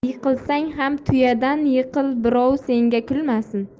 yiqilsang ham tuyadan yiqil birov senga kulmasin